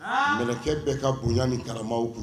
Mkɛ bɛɛ ka bon ni karaw kun